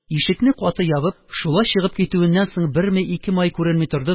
Ишекне каты ябып, шулай чыгып китүеннән соң берме-икеме ай күренми торды да,